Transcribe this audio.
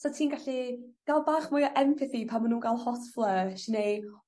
sa ti'n gallu ga'l bach mwy o empathi pan ma' nw'n ga'l hot flush neu